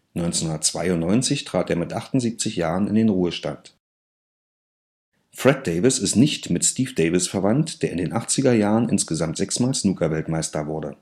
1992 trat er mit 78 Jahren in den Ruhestand. Fred Davis ist nicht mit Steve Davis verwandt, der in den 1980er Jahren insgesamt sechsmal Snookerweltmeister wurde